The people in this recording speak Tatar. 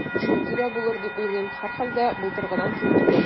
Шул тирә булыр дип уйлыйм, һәрхәлдә, былтыргыдан ким түгел.